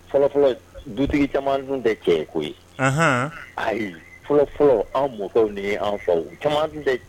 Fɔlɔfɔlɔ dutigi caman dun de cɛ ko ye ayi fɔlɔfɔlɔ an mɔ ni ye an fa caman bɛ